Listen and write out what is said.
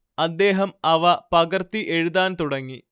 അദ്ദേഹം അവ പകര്‍ത്തി എഴുതാന്‍ തുടങ്ങി